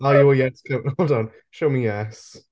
Are you a Yes Cymru? Hold on, show me Yes.